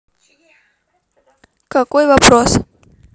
какой вопрос